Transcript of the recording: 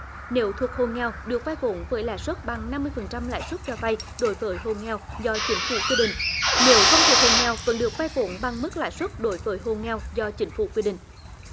nếu thuộc hộ nghèo được vay vốn với lãi suất bằng năm mươi phần trăm lãi suất cho vay đối với hộ nghèo do chính phủ quy định nếu không thuộc hộ nghèo vẫn được vay vốn bằng mức lãi suất đối với hộ nghèo do chính phủ quy định